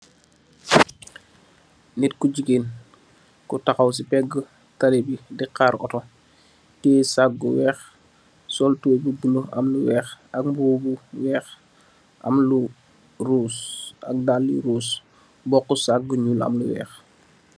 Nit ku jigain, ku takhaw si pegh talli, di khaar auto, tiyaih saak gu weekh, sol tubeuy bu buleuh am lu weekh, ak mbuba bu weekh am lu rouse, ak dalli rouse, bokhu saak gu nyul am lu weekh.